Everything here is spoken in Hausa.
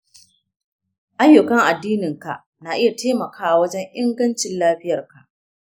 ayyukan addininka na iya taimakawa wajen ingancin lafiyarka.